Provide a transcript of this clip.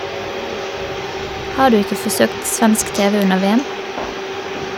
Har du ikke forsøkt svensk TV under VM?